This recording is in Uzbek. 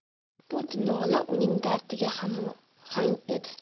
bu nola uning dardiga hamohang edi